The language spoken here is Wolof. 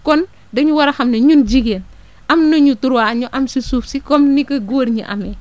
kon dañu war a xam ne ñun jigéen am nañu droit ñu am si suuf si comme ni ko góor ñi amee